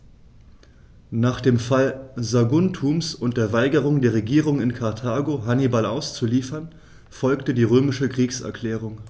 Nach dem Fall Saguntums und der Weigerung der Regierung in Karthago, Hannibal auszuliefern, folgte die römische Kriegserklärung.